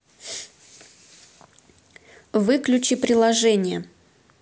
выключи приложение